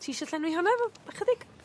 Ti isio llenwi honna rw ychydig?